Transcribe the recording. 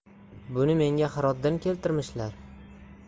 buni menga hirotdin keltirmishlar